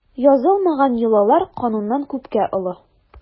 Язылмаган йолалар кануннан күпкә олы.